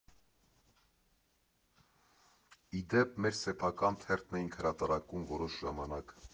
Ի դեպ, մեր սեփական թերթն էինք հրատարակում որոշ ժամանակ։